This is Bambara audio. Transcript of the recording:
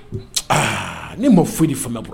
Aa n ma foyi fan bolo